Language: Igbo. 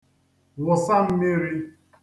wụ̀sa mmirī